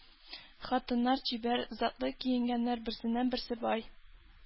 Хатыннар чибәр, затлы киенгәннәр, берсеннән-берсе бай.